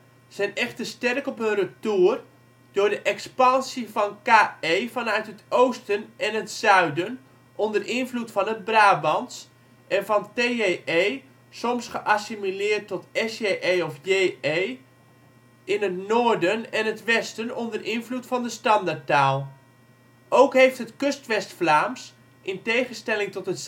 sterk op hun retour door de expansie van – ke vanuit het oosten en het zuiden (onder invloed van het Brabants), en van – tje (soms geassimileerd tot – sje of – je) in het noorden en het westen, onder invloed van de standaardtaal. Ook heeft het Kustwest-Vlaams, in tegenstelling tot het zuidoost-West-Vlaams